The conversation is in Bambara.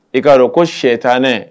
I'a dɔn ko sɛyɛ tanɛ